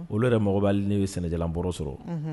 Olu yɛrɛ mɔgɔba ni n' ye sɛnɛjalanbɔ sɔrɔ